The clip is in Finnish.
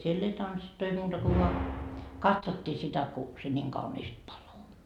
siellä ei tanssittu ei muuta kuin vain katsottiin sitä kun se niin kauniisti paloi